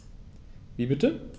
Wie bitte?